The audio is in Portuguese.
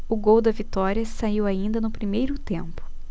o gol da vitória saiu ainda no primeiro tempo